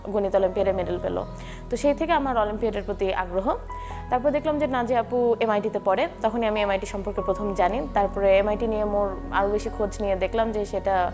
গণিত অলিম্পিয়াডে মেডেল পেল তো সেই থেকে আমার অলিম্পিয়াডের প্রতি আগ্রহ তারপর দেখলাম যে না জি আপু এম আই টি তে পরে তখন আমি এম আই টি সম্পর্কে প্রথম জানি তারপরে এম আই টি সম্পর্কে আরও বেশি খোঁজ নিয়ে দেখলাম যে সেটা